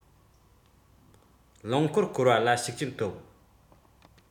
རློང འཁོར བསྐོར བ ལ ཤུགས རྐྱེན ཐོབ